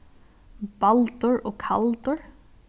baldur og kaldur